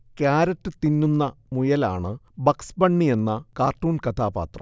carrot തിന്നുന്ന മുയലാണ് Bugs ബണ്ണിയെന്ന കാർട്ടൂൺ കഥാപാത്രാം